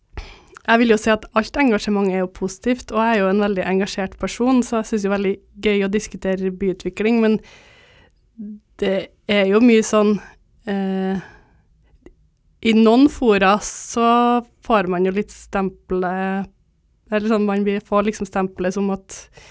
jeg vil jo si at alt engasjement er jo positivt og jeg er jo en veldig engasjert person så jeg syns jo veldig gøy å diskutere byutvikling, men det er jo mye sånn i noen fora så får man jo litt stempelet eller sånn man vil får liksom stempelet som at,